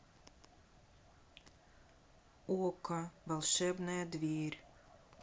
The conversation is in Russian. окко волшебная дверь